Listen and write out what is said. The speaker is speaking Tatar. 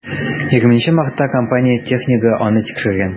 20 мартта компания технигы аны тикшергән.